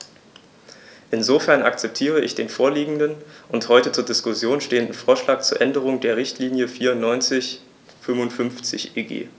Insofern akzeptiere ich den vorliegenden und heute zur Diskussion stehenden Vorschlag zur Änderung der Richtlinie 94/55/EG.